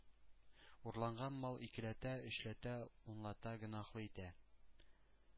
Урланган мал икеләтә, өчләтә, унлата гөнаһлы итә,